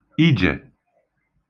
ijè